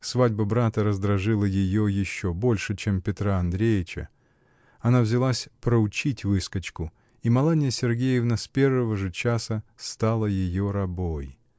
Свадьба брата раздражила ее еще больше, чем Петра Андреича: она взялась проучить выскочку, и Маланья Сергеевна с первого же часа стала ее рабой.